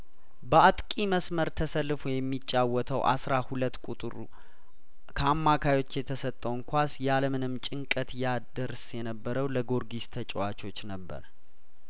በአጥቂ መስመር ተሰልፎ የሚጫወተው አስራ ሁለት ቁጥሩ ከአማካዮች የተሰጠውን ኳስ ያለምንም ጭንቀት ያደርስ የነበረው ለጊዮርጊስ ተጫዋቾች ነበር